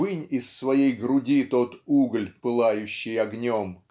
вынь из своей груди тот угль пылающий огнем